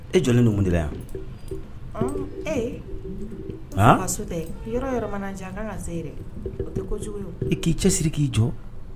E jɔ numu di yan ee ka so tɛ yɔrɔ yɔrɔ ka kan ka se tɛ i k'i cɛ siri k'i jɔ